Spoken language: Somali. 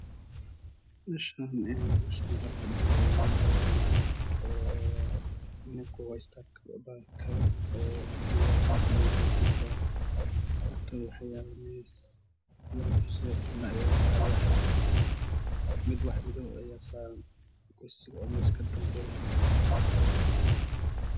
Meeaha waxaa fadhiyo nin iyo naag ninka waxuu heesta paal kaban uutumaayaa ganadhana waxey ayey sineesaa agtooda waxaa yaal miis lapa kursi ayey ku fadhiyaan o alwaxa aha mid wax madow ayaa saran kursiga oo miiska